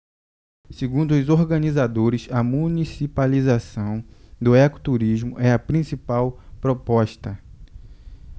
segundo os organizadores a municipalização do ecoturismo é a principal proposta